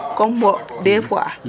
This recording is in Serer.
comme wo dés fois